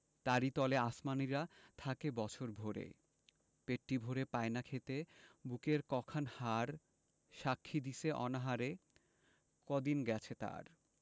তারি তলে আসমানীরা থাকে বছর ভরে পেটটি ভরে পায় না খেতে বুকের ক খান হাড় সাক্ষী দিছে অনাহারে কদিন গেছে তার